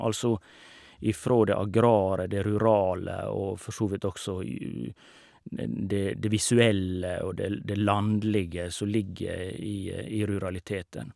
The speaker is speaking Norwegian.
Altså ifra det agrare, det rurale og forsåvidt også det det visuelle og det l det landlige som ligger i i ruraliteten.